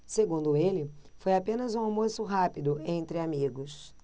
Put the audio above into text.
segundo ele foi apenas um almoço rápido entre amigos